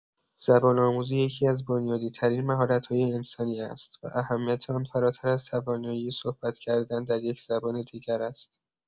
زبان‌آموزی یکی‌از بنیادی‌ترین مهارت‌های انسانی است و اهمیت آن فراتر از توانایی صحبت کردن در یک‌زبان دیگر است.